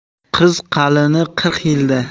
qiz qalini qirq yilda